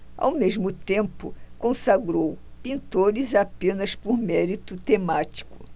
ao mesmo tempo consagrou pintores apenas por mérito temático